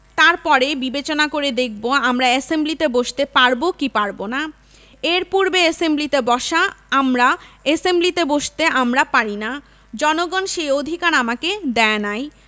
তারপরে বিবেচনা করে দেখব আমরা এসেম্বলিতে বসতে পারব কি পারব না এর পূর্বে এর পূর্বে এসেম্বলিতে বসা আমরা এসেম্বলিতে বসতে আমরা পারি না জনগণ সেই অধিকার আমাকে দেয় নাই